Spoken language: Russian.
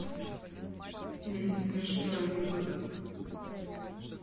не смешной анекдот